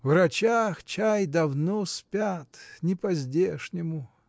В Грачах, чай, давно спят: не по-здешнему!